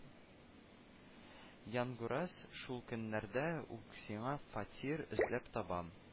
Янгураз, шул көннәрдә үк сиңа фатир эзләп табам,